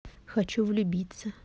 хочу влюбиться